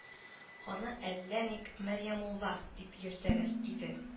Аны әллә ник Мәрьямулла дип йөртәләр иде